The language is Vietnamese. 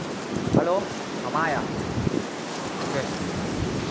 lô thảo mai à ô kê